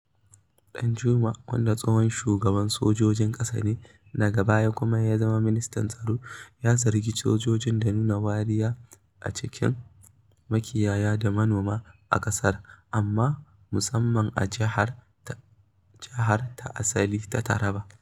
ɗanjuma, wanda tsohon shugaban sojojin ƙasa ne, daga baya kuma ya zama ministan tsaro, ya zargi sojojin da nuna wariya a rikicin makiyaya da manoma a ƙasar, amma musamman a jiharsa ta asali ta Taraba.